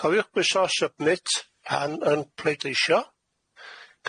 Cofiwch bwyso submit pan yn pleidleisio.